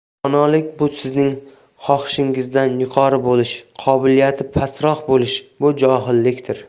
donolik bu sizning xohishingizdan yuqori bo'lish qobiliyati pastroq bo'lish bu johillikdir